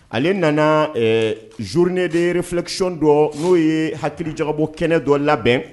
Ale nana zourunnene defikicon dɔ n'o ye hakilijakabɔ kɛnɛ dɔ labɛn